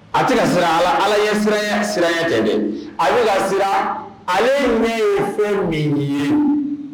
A tɛ ka siran ala ala ye sira lajɛ a'o la sira ale ɲɔ ye fɔ min ye